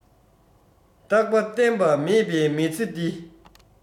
རྟག པ བརྟན པ མེད པའི མི ཚེ འདི